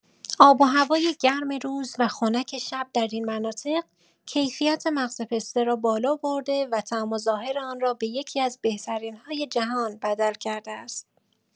آب و هوای گرم روز و خنک شب در این مناطق، کیفیت مغز پسته را بالا برده و طعم و ظاهر آن را به یکی‌از بهترین‌های جهان بدل کرده است.